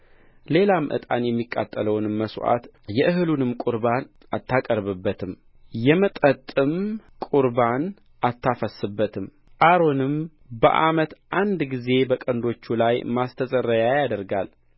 ሌላም ዕጣን የሚቃጠለውንም መስዋዕት የእህሉንም ቍርባን አታቀርብበትም የመጠጥም ቍርባን አታፈስስበትም አሮንም በአመት አንድ ጊዜ በቀንዶቹ ላይ ማስተስረያ ያደርጋል